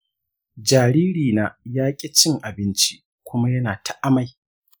jariri na ya ƙi cin abinci kuma yana ta amai.